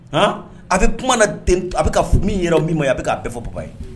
H a bɛ kuma na a bɛ ka fɔ min yɛrɛ min ma ye a bɛ k'a bɛɛ fɔ baba ye